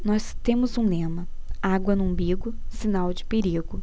nós temos um lema água no umbigo sinal de perigo